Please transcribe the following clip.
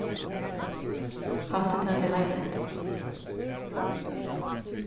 hatta er tað tey leita eftir